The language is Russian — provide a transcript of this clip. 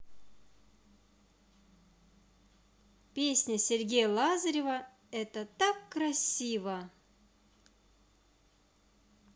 песни сергея лазарева это так красиво